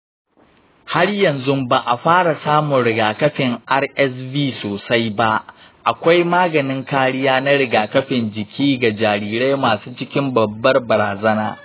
har yanzu ba a fara samun rigakafin rsv sosai ba. akwai maganin kariya na rigakafin jiki ga jarirai masu cikin babbar barazana.